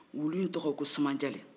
wulu in tɔgɔ ye ko sumajale